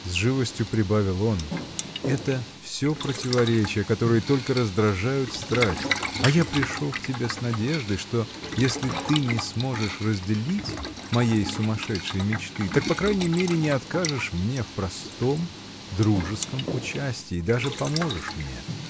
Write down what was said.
— с живостью прибавил он, — это всё противоречия, которые только раздражают страсть, а я пришел к тебе с надеждой, что если ты не можешь разделить моей сумасшедшей мечты, так по крайней мере не откажешь мне в простом дружеском участии, даже поможешь мне.